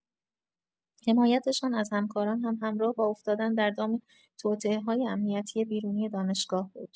حمایتشان از همکاران هم همراه با افتادن در دام توطئه‌های امنیتی بیرونی دانشگاه بود.